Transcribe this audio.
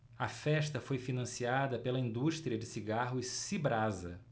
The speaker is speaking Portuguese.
a festa foi financiada pela indústria de cigarros cibrasa